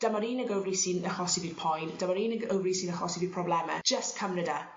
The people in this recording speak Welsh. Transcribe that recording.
dyma'r unig ofari sy'n achosi fi'r poen dyma'r unig ofari sy'n achosi fi probleme. Jyst cymryd e